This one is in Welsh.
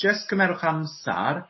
jyst cymerwch amsar